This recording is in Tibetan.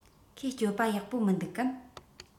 ཁོའི སྤྱོད པ ཡག པོ མི འདུག གམ